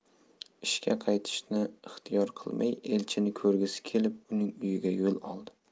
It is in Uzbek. ishga qaytishni ixtiyor qilmay elchinni ko'rgisi kelib uning uyiga yo'l oldi